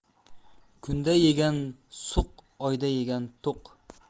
kunda yegan suq oyda yegan to'q